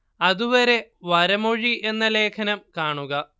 അതുവരെ വരമൊഴി എന്ന ലേഖനം കാണുക